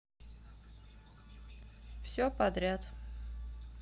все подряд